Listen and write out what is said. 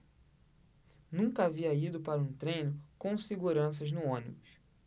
nunca havia ido para um treino com seguranças no ônibus